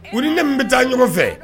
U ni ne min bɛ taa ɲɔgɔn fɛ